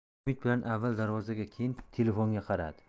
umid bilan avval darvozaga keyin telefonga qaradi